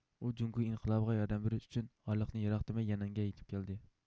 ئۇ جۇڭگو ئىنقىلابىغا ياردەم بېرىش ئۈچۈن ئارىلىقنى يىراق دېمەي يەنئەنگە يېتىپ كەلدى